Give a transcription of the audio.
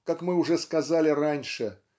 как мы уже сказали раньше